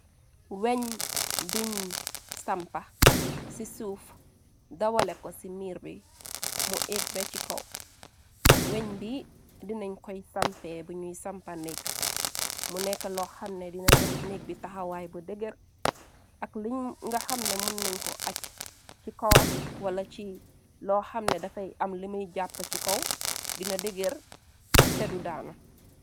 Weñ biñ sampa, ci suuf dawale ko ci miir bi mu ëgbe ci kaw, weñ bi dinañ koy sampee buñuy sampa neekk, mu nekk loo xamne dina jox nek bi taxawaay bu degër, ak luñ nga xamne mun nañ ko acc ci kowam wala ci loo xamne dafay am limay jàpp ci kaw, dina degër teddu daanu.